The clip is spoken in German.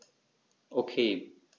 Okay.